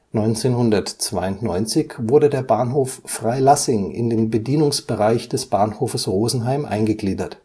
1992 wurde der Bahnhof Freilassing in den Bedienungsbereich des Bahnhofes Rosenheim eingegliedert